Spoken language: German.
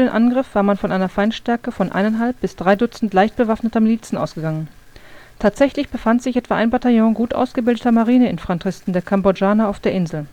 Angriff war man von einer Feindstärke von eineinhalb bis drei dutzend leicht bewaffneter Milizen ausgegangen, tatsächlich befand sich etwa ein Bataillon gut ausgebildeter Marineinfanteristen der Kambodschaner auf der Insel